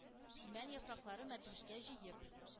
Имән яфраклары, мәтрүшкә җыеп,